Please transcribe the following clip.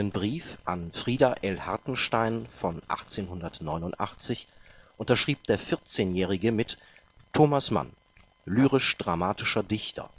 Brief an Frieda L. Hartenstein von 1889 unterschrieb der Vierzehnjährige mit „ Thomas Mann. Lyrisch-dramatischer Dichter